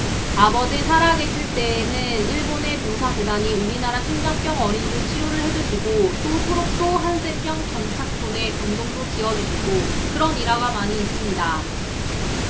아버지 살아계실 때는 일본의 봉사재단이 우리나라 심장병 어린이도 치료를 해주시고 또 소록도 한센병 정착촌에 병동도 지어주시고 그런 일화가 많이 있습니다